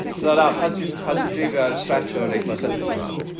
o na pan ti'n pan ti'n dreifio ar y stretch ar y Afourseventy 'ma